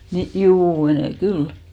niin juu menee kyllä